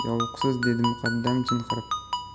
yuvuqsiz dedi muqaddam chinqirib